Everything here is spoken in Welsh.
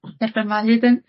dechra ma' o hyd yn